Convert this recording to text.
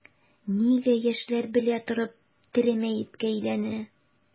Нигә яшьләр белә торып тере мәеткә әйләнә?